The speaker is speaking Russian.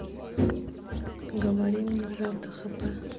говори мне правду хп